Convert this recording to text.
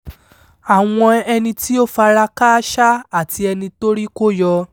Àwọn Ẹni-tó-fara-kááṣá àti Ẹni-tórí-kó-yọ